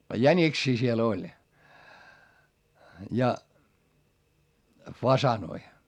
jäniksiä siellä oli ja faasaneja